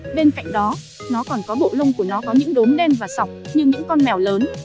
bên cạnh đó nó còn có bộ lông của nó có những đốm đen và sọc như những con mèo lớn